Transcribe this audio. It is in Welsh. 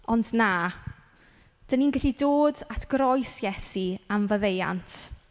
Ond na dan ni'n gallu dod at groes Iesu am faddeuant.